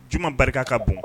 Juma barika ka bon